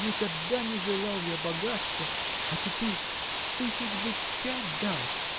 Никогда не желал я богатства, а теперь тысяч бы пять дал.